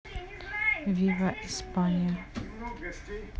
вива испания